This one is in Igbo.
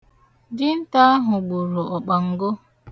Dinta ahụ gburu ọkpango.